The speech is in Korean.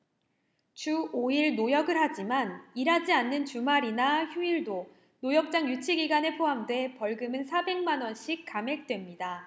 주 오 일 노역을 하지만 일하지 않는 주말이나 휴일도 노역장 유치 기간에 포함돼 벌금은 사백 만 원씩 감액됩니다